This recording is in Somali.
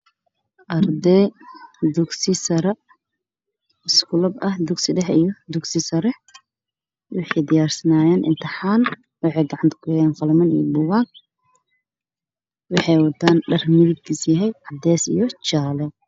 Waa arday gabdho iyo wiilal wataan dhar cadaan jaalo